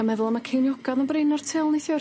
Yn meddwl y ma' ceinioga odd'n brin o'r til neithiwr?